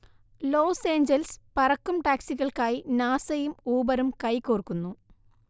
loss Angeles പറക്കും ടാക്സികൾക്കായി നാസയും ഊബറും കൈകോർക്കുന്നു